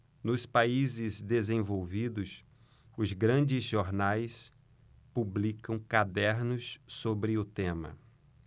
nos países desenvolvidos os grandes jornais publicam cadernos sobre o tema